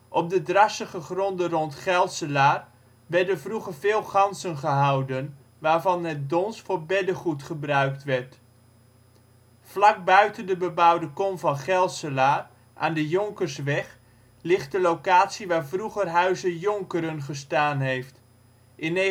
Op de drassige gronden rond Gelselaar werden vroeger veel ganzen gehouden, waarvan het dons voor beddengoed gebruikt werd. Vlak buiten de bebouwde kom van Gelselaar, aan de Jonkersweg, ligt de locatie waar vroeger ' huize Jonkeren ' gestaan heeft. In 1999